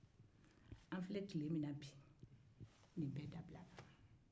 an filɛ tile min na bi nin bɛɛ dabilara